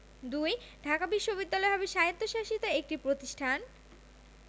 ২. ঢাকা বিশ্ববিদ্যালয় হবে স্বায়ত্তশাসিত একটি প্রতিষ্ঠান